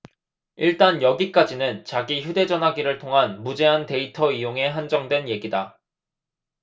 일단 여기까지는 자기 휴대전화기를 통한 무제한 데이터 이용에 한정된 얘기다